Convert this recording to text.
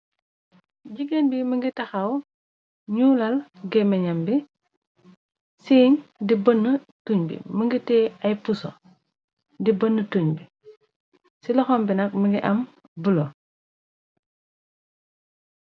jigéen bi mënga taxaw ñu lal gémenam bi siiñ di bën tuñ bi mëngate ay pusa di bën tuñ bi ci loxambi nag mëngi am bulo